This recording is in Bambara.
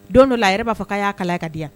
Don dɔ la a yɛrɛ b'a fɔ k'a y'a kalaya k'a diyan